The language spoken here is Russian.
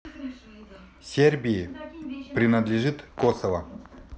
сербии принадлежит косово